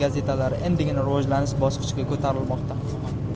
gazetalari endigina rivojlanish bosqichiga ko'tarilmoqda